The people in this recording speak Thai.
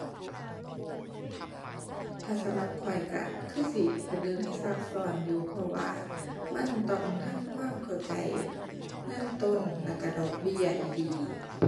ถ้าสำหรับข้อยก็คือสิเป็นเรื่องที่ซับซ้อนอยู่ เพราะว่ามันต้องทำความเข้าใจเงินต้นแล้วก็ดอกเบี้ยดีดี